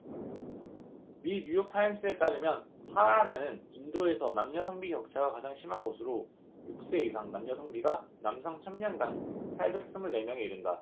미 뉴욕타임스에 따르면 하랴냐는 인도에서 남녀 성비 격차가 가장 심한 곳으로 육 세 이상 남녀 성비가 남성 천 명당 팔백 스물 네 명에 이른다